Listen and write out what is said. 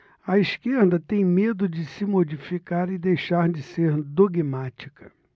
a esquerda tem medo de se modificar e deixar de ser dogmática